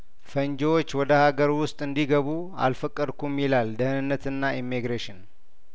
ፈንጂዎች ወደ አገር ውስጥ እንዲ ገቡ አልፈቀድኩም ይላል ደህንነትና ኢምግሬሽን